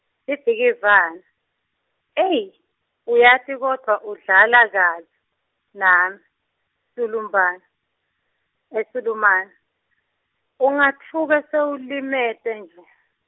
Sibhikivane eyi, uyati kodvwa udlala kabi, nami Sulumane, , ungetfuka sowulimete nje.